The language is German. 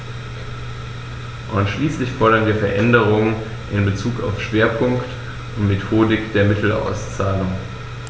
Und schließlich fordern wir Veränderungen in bezug auf Schwerpunkt und Methodik der Mittelauszahlung.